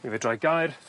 mi fedrai gau'r